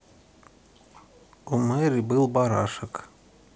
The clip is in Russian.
у мери был барашек